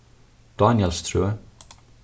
dánjalstrøð